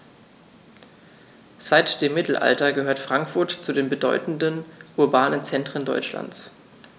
Seit dem Mittelalter gehört Frankfurt zu den bedeutenden urbanen Zentren Deutschlands.